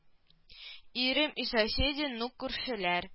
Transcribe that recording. Ирем и соседи ну күршеляр